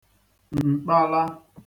m̀kpala